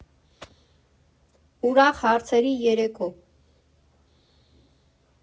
Ուրախ հարցերի երեկո։